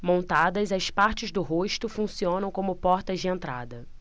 montadas as partes do rosto funcionam como portas de entrada